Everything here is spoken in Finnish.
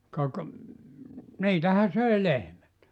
ka - niitähän söi lehmät